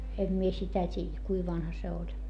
en minä sitä tiedä kuinka vanha se oli